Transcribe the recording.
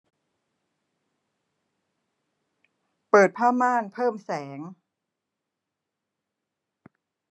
เปิดผ้าม่านเพิ่มแสง